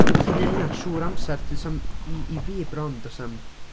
dach chi'n deud hynna trwy'r amser, does 'na'm, i- i fi, bron, does 'na'm...